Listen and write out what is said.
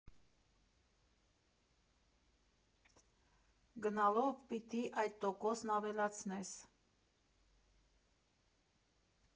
Գնալով պիտի այդ տոկոսն ավելացնես։